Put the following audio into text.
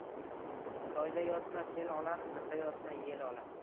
soyda yotma sel olar qirda yotma yel olar